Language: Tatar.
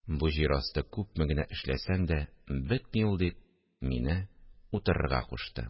Бу җир асты күпме генә эшләсәң дә бетми ул, – дип, мине утырырга кушты